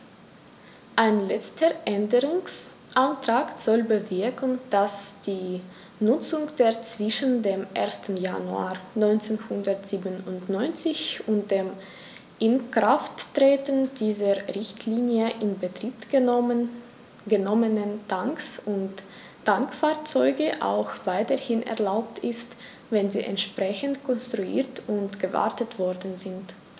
Ein letzter Änderungsantrag soll bewirken, dass die Nutzung der zwischen dem 1. Januar 1997 und dem Inkrafttreten dieser Richtlinie in Betrieb genommenen Tanks und Tankfahrzeuge auch weiterhin erlaubt ist, wenn sie entsprechend konstruiert und gewartet worden sind.